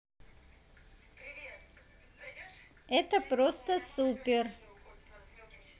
это просто супер